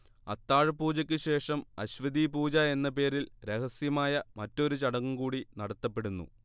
അത്താഴപൂജക്ക് ശേഷം അശ്വതീപൂജ എന്ന പേരിൽ രഹസ്യമായ മറ്റൊരു ചടങ്ങൂകൂടി നടത്തപ്പെടുന്നു